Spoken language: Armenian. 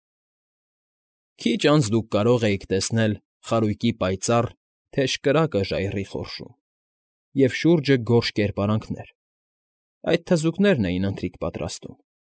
Քիչ անց դուք կարող էիք տեսնել խարույկի պայծառ, թեժ կրակը ժայռի խորշում և շուրջը գորշ կերպարանքներ. այդ թզուկներն էին ընթրիք պատրաստում։